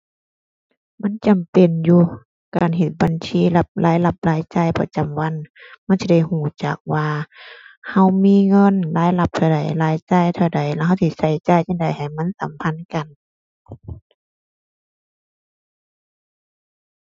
มันจำเป็นอยู่ การเฮ็ดบัญชีรับ รายรับรายจ่ายประจำวัน มันจะได้รู้จักว่า รู้มีเงินรายรับเท่าใด รายจ่ายเท่าใด แล้วรู้สิรู้จ่ายจั่งใดให้มันสัมพันธ์กัน